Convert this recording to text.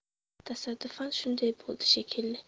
tasodifan shunday bo'ldi shekilli